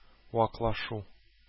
Ваклашу